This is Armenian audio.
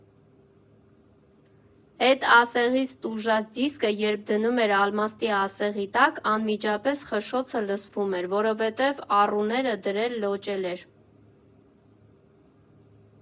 Էդ ասեղից տուժած դիսկը երբ դնում էր ալմաստի ասեղի տակ, անմիջապես խշշոցը լսվում էր, որովհետև առուները դրել լոճել էր։